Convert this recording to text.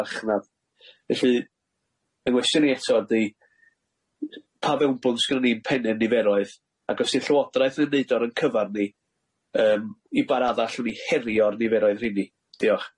farchnad felly yngwestywn ni eto ydi, pa fewnbwns gynnon ni'n penne'n niferoedd ag os ti'r Llywodraeth yn neud o ar ein cyfar ni yym i ba radda allwn ni herio'r niferoedd rheini diolch.